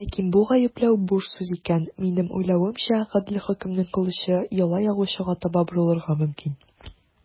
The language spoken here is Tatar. Ләкин бу гаепләү буш сүз икән, минем уйлавымча, гадел хөкемнең кылычы яла ягучыга таба борылырга мөмкин.